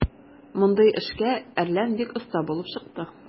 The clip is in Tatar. Мондый эшкә "Әрлән" бик оста булып чыкты.